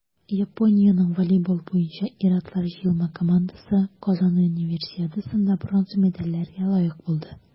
Япониянең волейбол буенча ир-атлар җыелма командасы Казан Универсиадасында бронза медальләргә лаек булды.